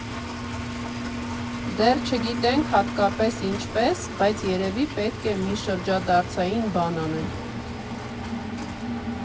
Դեռ չգիտենք՝ հատկապես ինչպես, բայց երևի պետք է մի շրջադարձային բան անել։